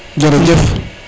jerejef